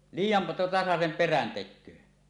liian tasaisen perän tekee